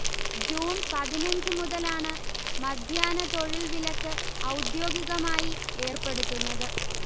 June പതിനഞ്ച്മുതലാണ് മധ്യാഹ്ന തൊഴിൽ വിലക്ക് ഔദ്യോഗികമായി ഏർപ്പെടുത്തുന്നത്